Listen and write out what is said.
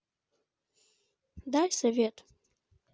дай совет